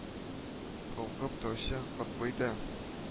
Калкып торучы котбый да